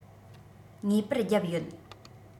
ངེས པར བརྒྱབ ཡོད